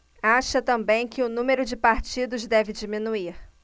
acha também que o número de partidos deve diminuir